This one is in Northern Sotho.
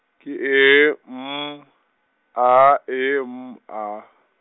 ke E M A E M A.